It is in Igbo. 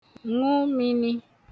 ṅụ mīnī